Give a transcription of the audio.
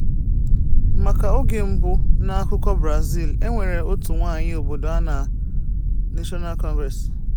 Maka oge mbụ n'akụkọ Brazil, e nwere otu nwaanyị obodo a na National Congress.